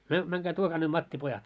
me menkää tuokaa ne mattipojat